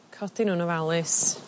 codi nw'n ofalus